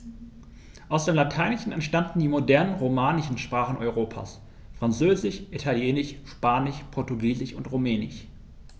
Aus dem Lateinischen entstanden die modernen „romanischen“ Sprachen Europas: Französisch, Italienisch, Spanisch, Portugiesisch und Rumänisch.